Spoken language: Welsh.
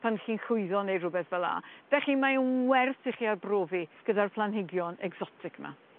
pan chi'n llwyddo neud rwbeth fel 'a felly mae e'n werth i chi arbrofi gyda'r planhigion egsotic 'ma.